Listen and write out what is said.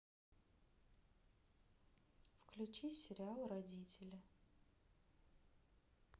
включи сериал родители